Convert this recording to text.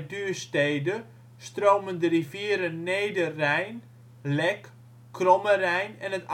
Duurstede stromen de rivieren Nederrijn, Lek, Kromme Rijn en het